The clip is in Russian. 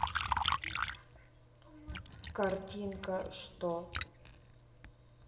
картинка што